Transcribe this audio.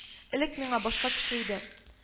Элек миңа башка кеше идем